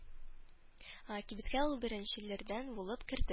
Кибеткә ул беренчеләрдән булып керде.